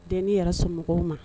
Deni yɛrɛ somɔgɔw ma.